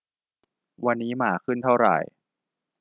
วันนี้หมาขึ้นเท่าไหร่